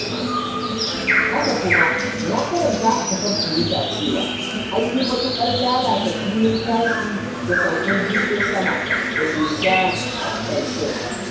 Haka kuma na karanta a kafar tiwita cewa, an yi mutuƙar lalata filin tashi da saukar jirgin sama dake Sharm El-Shiekh!